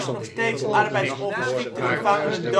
nog steeds arbeidsongeschikte gevangenen